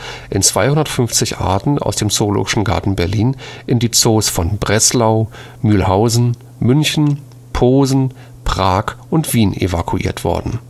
250 Arten aus dem Zoologischen Garten Berlin in die Zoos von Breslau, Mülhausen, München, Posen, Prag und Wien evakuiert worden